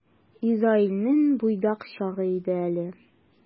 Изаилнең буйдак чагы иде әле.